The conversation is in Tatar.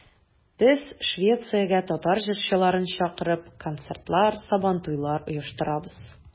Без, Швециягә татар җырчыларын чакырып, концертлар, Сабантуйлар оештырабыз.